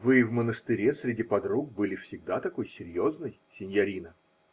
-- Вы и в монастыре, среди подруг, были всегда такой серьезной, синьорина?